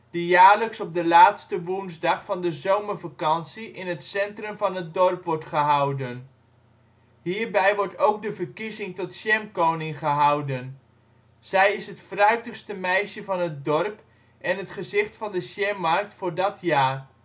die jaarlijks op de laatste woensdag van de zomervakantie in het centrum van het dorp wordt gehouden. Hierbij wordt ook de verkiezing tot de Jamkoningin gehouden. Zij is het ' fruitigste ' meisje van het dorp en het gezicht van de jammarkt voor dat jaar